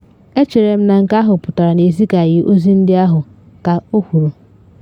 “Echere m na nke ahụ pụtara na ezigaghị ozi ndị ahụ,” ka o kwuru.